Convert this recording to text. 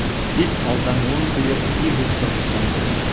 Тик алдануын тоеп, тиз үк тынычланды...